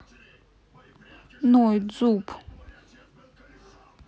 ноет зуб